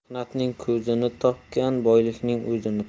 mehnatning ko'zini topgan boylikning o'zini topar